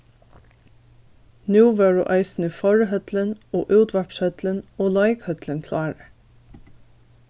nú vóru eisini forhøllin og útvarpshøllin og leikhøllin klárar